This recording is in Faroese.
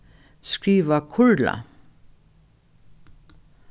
skriva kurla